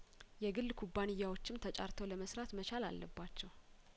የግል ኩባንያዎችም ተጫርተው ለመስራት መቻል አለባቸው